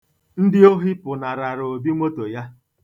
Ndị ohi pụnarara Obi moto ya.